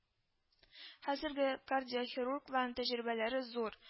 Хәзерге кардиохирургларның тәҗрибәләре зур